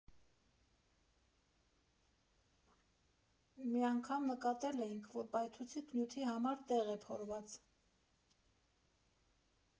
Մի անգամ նկատել էինք, որ պայթուցիկ նյութի համար տեղ է փորված։